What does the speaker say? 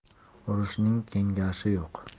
urushning kengashi yo'q